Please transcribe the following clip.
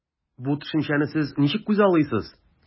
Бу төшенчәне сез ничек күзаллыйсыз?